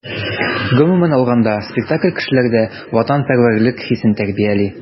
Гомумән алганда, спектакль кешеләрдә ватанпәрвәрлек хисен тәрбияли.